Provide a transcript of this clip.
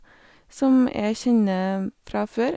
Som jeg kjenner fra før.